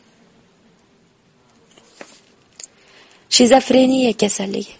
shezofreniya kasalligi